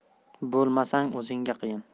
bo'lmasang o'zingga qiyin